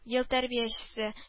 Ел тәрбиячесе